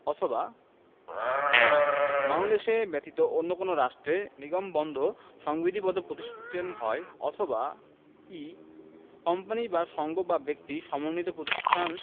অথবা আ বাংলাদেশ ব্যতীত অন্য কোন রাষ্ট্রে নিগমবন্ধ সংবিধিবদ্ধ প্রতিষ্ঠান হয় অথবা ই কোম্পানী বা সঙ্গ বা ব্যক্তি সমন্বিত প্রতিষ্ঠান